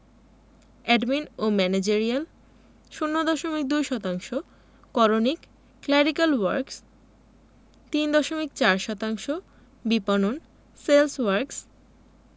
admin managerial ০ দশমিক ২ শতাংশ করণিক ক্ল্যারিক্যাল ওয়ার্ক্স ৩ দশমিক ৪ শতাংশ বিপণন সেলস ওয়ার্ক্স